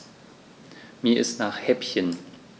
Mir ist nach Häppchen.